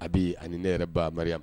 A bɛ ani ne yɛrɛ ba maria